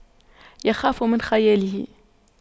يخاف من خياله